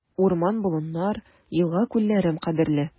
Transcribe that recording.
Урман-болыннар, елга-күлләрем кадерле.